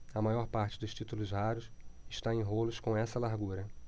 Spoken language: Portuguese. a maior parte dos títulos raros está em rolos com essa largura